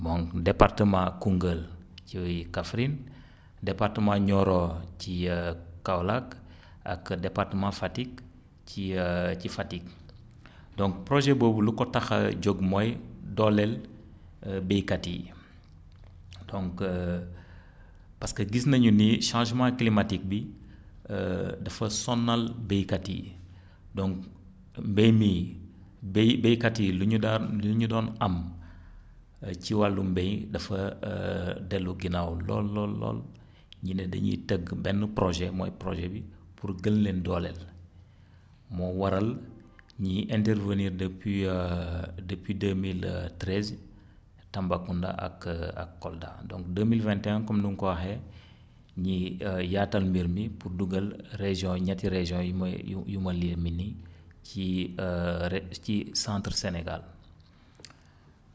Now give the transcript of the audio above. mooŋ département Koungheul ci Kaffrine département Nioro ci Kaolack ak département Fatick ci ci Fatick donc projet boobu lu ko tax a jóg mooy dooleel baykat yi donc parce que gis nañu ni changement climatique bi dafa sonal baykat yi donc mbay mi bay baykat yi lu ñu daan lu ñu doon am ci wàllum mbay dafa dellu ginnaaw lool lool lool ñu ne dañuy tëgg benn projet mooy projet bi pour gën leen dooleel moo waral ñii intervenir depuis depuis deux mille treize Tambacounda ak ak ak Kolda donc deux mille vingt et un comme ni nga ko waxee ñii yaatal mbir mi pour dugal région ñetti régions yi mooy yu yu ma lim nii ci ré ci centre Sénégal